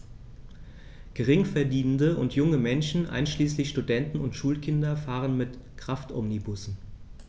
Geringverdienende und junge Menschen, einschließlich Studenten und Schulkinder, fahren mit Kraftomnibussen.